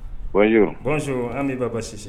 Wasɔn an bi baba sisi